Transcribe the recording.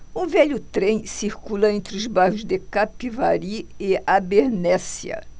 um velho trem circula entre os bairros de capivari e abernéssia